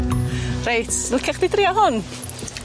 Reit liciach chdi dria hwn?